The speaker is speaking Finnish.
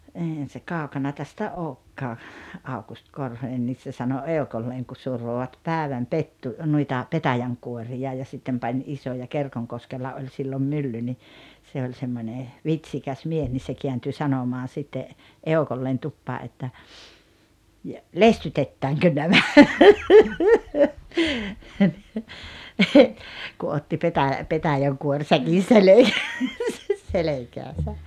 eihän se kaukana tästä olekaan Aukusti Korhonen niin se sanoi eukolleen kun survoivat päivän - noita petäjänkuoria ja sitten pani isoja Kerkonkoskella oli silloin mylly niin se oli semmoinen vitsikäs mies niin se kääntyi sanomaan sitten eukolleen tupaan että ja lestytetäänkö nämä kun otti - petäjänkuorisäkin selkäänsä selkäänsä